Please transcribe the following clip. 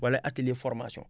wala atelier formation